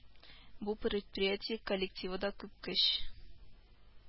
Бу предприятие коллективы да күп көч